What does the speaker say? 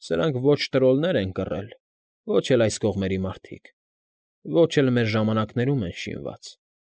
Սրանք ոչ տրոլներն են կռել, ոչ էլ այս կողմերի մարդիկ, և ոչ էլ մեր ժամանակներում են շինված։